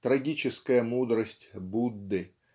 трагическая мудрость Будды